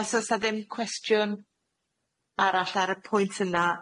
Oes o's na ddim cwestiwn arall ar y pwynt yna?